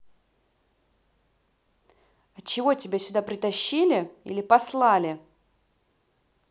а чего тебя сюда притащили или послали